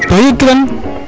To yegkiran